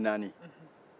kumaden naani